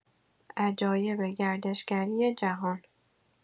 عجایب گردشگری جهان